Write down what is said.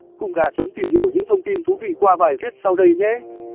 cùng gà trống tìm hiểu những thông tin thú vị qua bài viết sau đây nhé